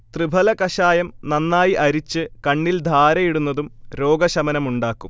തൃഫല കഷായം നന്നായി അരിച്ച് കണ്ണിൽ ധാരയിടുന്നതും രോഗശമനമുണ്ടാക്കും